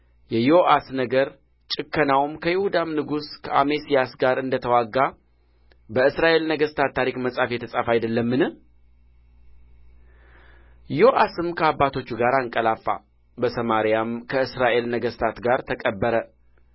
የዮአስ ነገር ጭከናውም ከይሁዳም ንጉሥ ከአሜስያስ ጋር እንደ ተዋጋ በእስራኤል ነገሥታት ታሪክ መጽሐፍ የተጻፈ አይደለምን ዮአስም ከአባቶቹ ጋር አንቀላፋ በሰማርያም ከእስራኤል ነገሥታት ጋር ተቀበረ